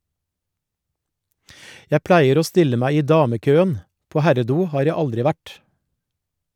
Jeg pleier å stille meg i damekøen, på herredo har jeg aldri vært.